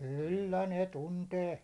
kyllä ne tuntee